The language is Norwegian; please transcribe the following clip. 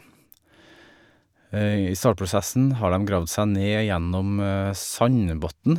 I startprosessen har dem gravd seg ned gjennom sandbotnen.